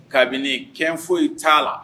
Kabini kɛ foyi t'a la